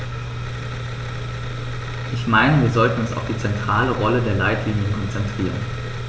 Ich meine, wir sollten uns auf die zentrale Rolle der Leitlinien konzentrieren.